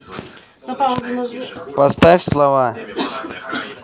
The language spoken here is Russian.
поставь слова